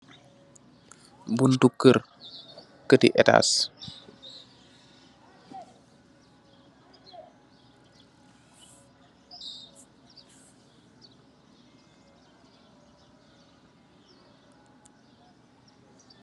Buntu kér, kèrti ètas .